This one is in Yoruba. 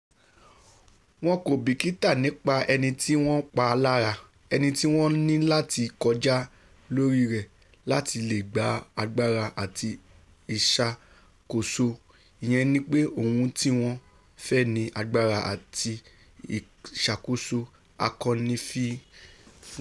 Wọn kò bìkítà nípa ẹnití wọ́n pa lára, ẹnití wọ́n nilati kọjá lórí rẹ̀ láti lee gba agbára àti ìṣàkóso, ìyẹn nípe ohun tíwọ́n fẹ́ ni agbára àti ìṣàkóso, a kò ní fi i fún wọn.